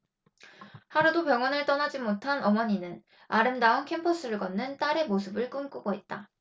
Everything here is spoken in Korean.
하루도 병원을 떠나지 못한 어머니는 아름다운 캠퍼스를 걷는 딸의 모습을 꿈꾸고 있다